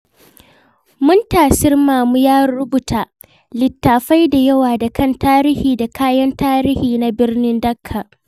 Muntasir Mamu ya rubuta littattafai da yawa a kan tarihi da kayan tarihi na birnin Dhaka.